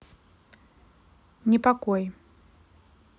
непокой